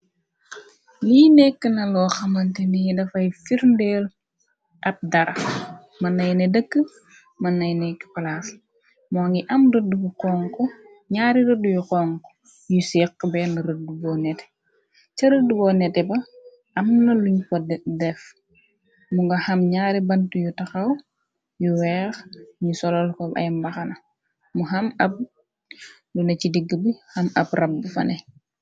Li nekk naloo xamante ni dafay firndeel ab dara mën nay ne dëkk mënnay nekk palaas moo ngi am ñaari rëdd yu xoŋ yu sekq benn rëdd boo nete ca rëdd boo nete ba am na luñ pot def mu nga xam ñaari bant yu taxaw yu weex ñi solol ko ay mbaxana mu ham ab luna ci digg bi xam ab rab bu fane.